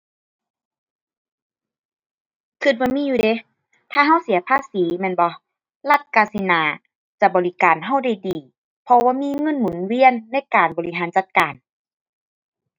คิดว่ามีอยู่เดะ ถ้าคิดเสียภาษีแม่นบ่ รัฐคิดสิน่าจะบริการคิดได้ดี เพราะว่ามีเงินหมุนเวียนในการบริหารจัดการ